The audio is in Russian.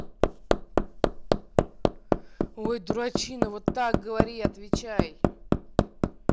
ой дурачина вот так говори отвечай